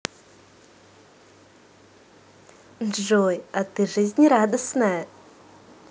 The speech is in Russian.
джой а ты жизнерадостная